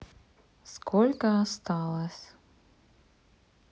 сколько осталось